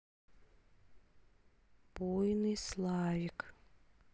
буйный славик